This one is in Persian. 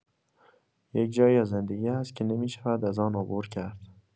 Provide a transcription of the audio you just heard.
یک‌جایی از زندگی هست که نمی‌شود از آن عبور کرد.